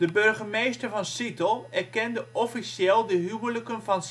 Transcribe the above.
burgemeester van Seattle erkende officieel de huwelijken van